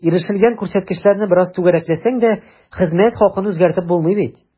Ирешелгән күрсәткечләрне бераз “түгәрәкләсәң” дә, хезмәт хакын үзгәртеп булмый бит.